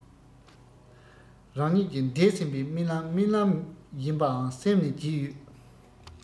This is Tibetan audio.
རང ཉིད ཀྱི འདས ཟིན པའི རྨི ལམ རྨི ལམ ཡིན པའང སེམས ནས བརྗེད ཡོད